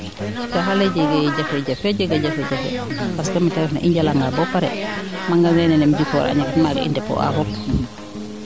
a cikaxa le jegee jafe jafe a jega jafe jafe parce que meete refna i njala nga boo pare magazin nene im jikoora a ñakit maaga i depot a fop